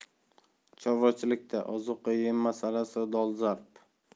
chorvachilikda ozuqa yem masalasi dolzarb